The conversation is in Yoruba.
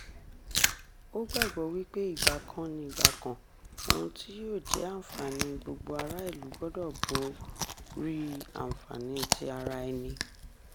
Ó gbàgbọ́ wípé ìgbàkanìgbàkàn “ohun tí yóò jẹ́ àǹfààní gbogbo ará ìlú gbọdọ̀ bo orí àǹfààní ti ara ẹni.”